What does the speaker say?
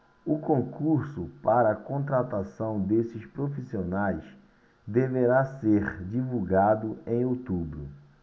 o concurso para contratação desses profissionais deverá ser divulgado em outubro